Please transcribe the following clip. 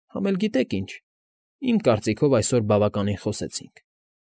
Համ էլ, գիտե՞ք ինչ, իմ կարծիքով այսօր բավականին խոսեցինք։